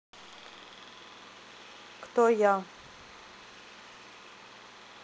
кто я